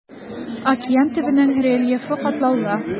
Океан төбенең рельефы катлаулы.